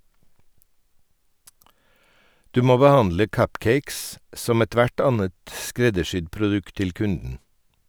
Du må behandle cupcakes som ethvert annet skreddersydd produkt til kunden.